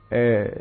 Ɛɛ